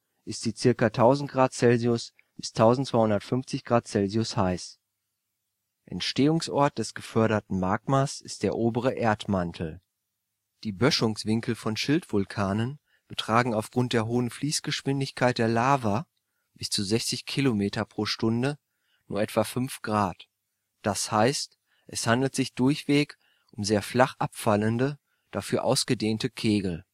ist sie ca. 1000 °C bis 1250 °C heiß. Entstehungsort des geförderten Magmas ist der obere Erdmantel. Die Böschungswinkel von Schildvulkanen betragen aufgrund der hohen Fließgeschwindigkeit der Lava (bis zu 60 km/h) nur etwa 5°, das heißt, es handelt sich durchweg um sehr flach abfallende, dafür ausgedehnte Kegel